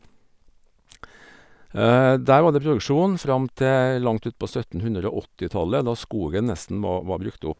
Der var det produksjon fram til langt ut på søttenhundre og åttitallet, da skogen nesten va var brukt opp.